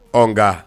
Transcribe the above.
Ɔwɔ